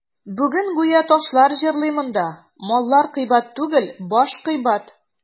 Бүген гүя ташлар җырлый монда: «Маллар кыйбат түгел, баш кыйбат».